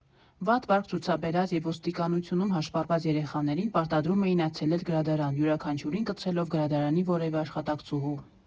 Վատ վարք ցուցաբերած և ոստիկանությունում հաշվառված երեխաներին պարտադրում էին այցելել գրադարան՝ յուրաքանչյուրին կցելով գրադարանի որևէ աշխատակցուհու։